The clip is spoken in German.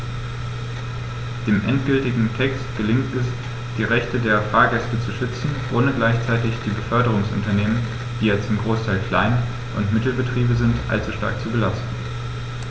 Dem endgültigen Text gelingt es, die Rechte der Fahrgäste zu schützen, ohne gleichzeitig die Beförderungsunternehmen - die ja zum Großteil Klein- und Mittelbetriebe sind - allzu stark zu belasten.